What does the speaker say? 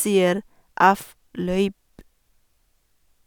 sier Avløyp.